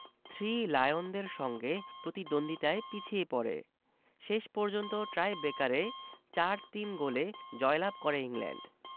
three লায়নদের সঙ্গে প্রতিদ্বন্দ্বিতায় পিছিয়ে পড়ে শেষ পর্যন্ত টাইব্রেকারে ৪ ৩ গোলে জয়লাভ করে ইংল্যান্ড